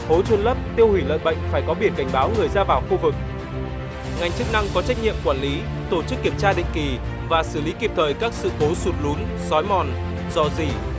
hố chôn lấp tiêu hủy lợn bệnh phải có biển cảnh báo người ra vào khu vực ngành chức năng có trách nhiệm quản lý tổ chức kiểm tra định kỳ và xử lý kịp thời các sự cố sụt lún xói mòn rò rỉ